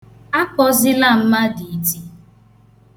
Akpọzila mmadụ iti.